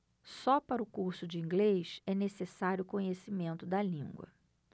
só para o curso de inglês é necessário conhecimento da língua